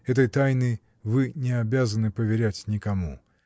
Этой тайны вы не обязаны поверять никому.